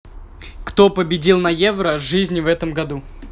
кто победил на евро жизни в этом году